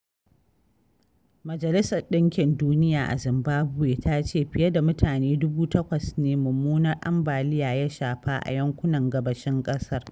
Majalisar Ɗinkin Duniya a Zimbabwe ta ce fiye da mutane 8,000 ne mummunan ambaliya ya shafa a yankunan gabashin ƙasar.